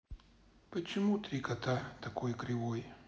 почему три кота такой кривой